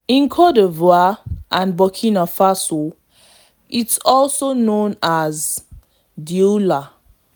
In Cote d'Ivoire and Burkina Faso, it is known as Dioula.